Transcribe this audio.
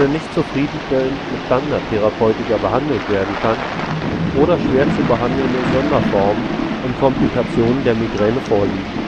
nicht zufriedenstellend mit Standardtherapeutika behandelt werden kann oder schwer zu behandelnde Sonderformen und Komplikationen der Migräne vorliegen